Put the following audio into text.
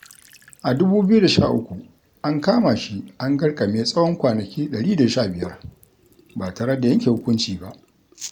A 2013, an kama shi an garƙame tsawon kwanaki 115 ba tare da yanke hukunci ba.